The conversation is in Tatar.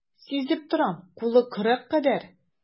Сизеп торам, кулы көрәк кадәр.